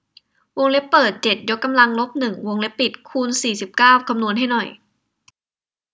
วงเล็บเปิดเจ็ดยกกำลังลบหนึ่งวงเล็บปิดคูณสี่สิบเก้าคำนวณให้หน่อย